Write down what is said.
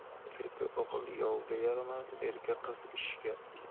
erka o'g'il yovga yaramas erka qiz ishga